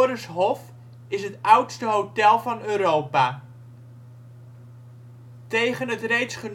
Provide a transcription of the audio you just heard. het oudste hotel van Europa. Tegen het reeds